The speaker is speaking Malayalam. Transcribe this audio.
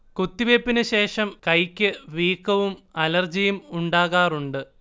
കുത്തിവെപ്പിനു ശേഷം കൈക്ക് വീക്കവും അലർജിയും ഉണ്ടാകാറുണ്ട്